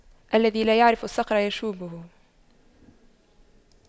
الذي لا يعرف الصقر يشويه